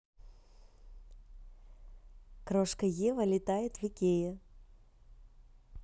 крошка ева летает в икее